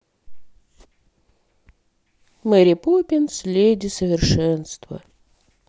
мэри поппинс леди совершенство